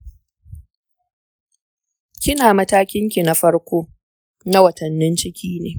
kina matakin ki na farko na watannin ciki ne.